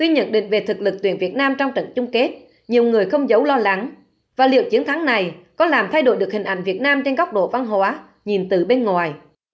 tuy nhận định về thực lực tuyển việt nam trong trận chung kết nhiều người không giấu lo lắng và liệu chiến thắng này có làm thay đổi được hình ảnh việt nam trên góc độ văn hóa nhìn từ bên ngoài